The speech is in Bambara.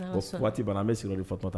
Ko waati bara an bɛ sira fa tɔta